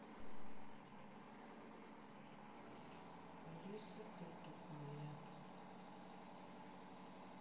алиса ты тупая